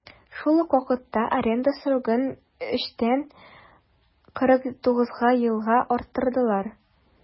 Шул ук вакытта аренда срогын 3 тән 49 елга арттырдылар.